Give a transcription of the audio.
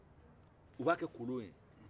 u b'a kɛ kolon ye